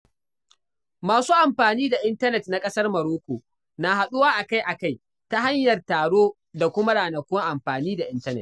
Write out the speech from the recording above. Masu amfani da intanet na ƙasar Morocco na haɗuwa a-kai-a-kai ta hanyar taro da kuma ranakun amfani da intanet.